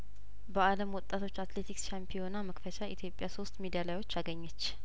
በአለም ወጣቶች አትሌቲክስ ሻምፒዮና መክፈቻ ኢትዮጵያሶስት ሜዳሊያዎች አገኘች